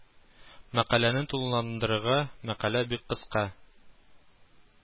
Мәкаләне тулыландырырга мәкалә бик кыска